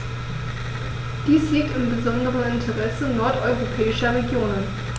Dies liegt im besonderen Interesse nordeuropäischer Regionen.